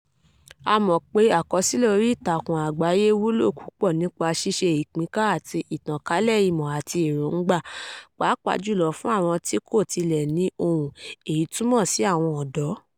A mọ̀ pé àkọsílẹ̀ orí ìtàkùn àgbáyé wúlò púpọ̀ nípa ṣíṣe ìpínká àti ìtànkálẹ̀ ìmọ̀ àti èróńgbà, pàápàá jùlọ fún àwọn tí wọn kò tilẹ̀ ní 'ohun' - èyí tí ó túmọ̀ sí àwọn ọ̀dọ́.